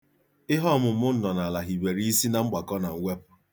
Ihe ọmụmụ nnọnaala hibere isi na mgbakọ na mwepụ.